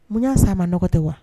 Mun y'a san ma nɔgɔɔgɔ tɛ wa